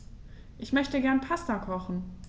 Ich möchte gerne Pasta kochen.